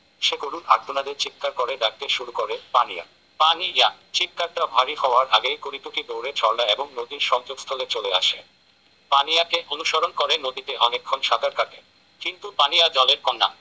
সে করুণ আর্তনাদে চিৎকার করে ডাকতে শুরু করে পানিয়া পা নি ইয়া চিৎকারটা ভারী হওয়ার আগেই করিটুকি দৌড়ে ঝরনা এবং নদীর সংযোগস্থলে চলে আসে পানিয়াকে অনুসরণ করে নদীতে অনেকক্ষণ সাঁতার কাটে কিন্তু পানিয়া জলের কন্যা